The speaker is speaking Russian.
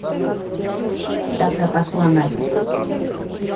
тогда пошла нафиг